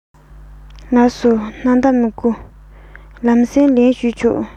ལགས སོ སྣང དག མི ཡོང ལམ སེང ལན ཞུས ཆོག